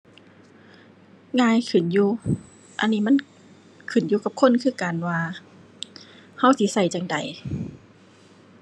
ง่ายขึ้นอยู่ อันนี้มันขึ้นอยู่กับคนคือกันว่าเราสิเราจั่งใด